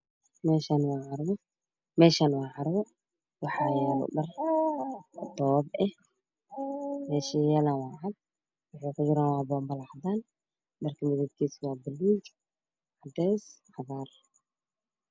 Meshaan waa carwo waxaa yala dhar meshiiyalan waa cad waxii kujiraan waa bonbala cad dharka midapkiiso wa paluug cadees cagaar